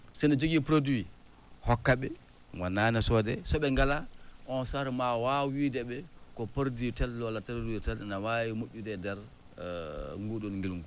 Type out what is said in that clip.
si no jogii produit hokkaɓe wonaa no soodee so ɓe ngalaa on saaru ma waaw wiide ɓe ko produit tel walla tel ene waawi moƴƴude ndeer nguu ɗoon ngilngu